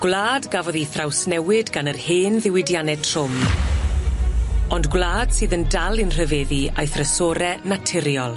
Gwlad gafodd 'i thrawsnewid gan yr hen ddiwydianne trwm, ond gwlad sydd yn dal i'n rhyfeddu a'i thrysore naturiol.